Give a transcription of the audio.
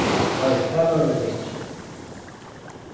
nei tað vóru vit ikki